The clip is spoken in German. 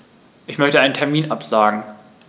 Ich möchte einen Termin absagen.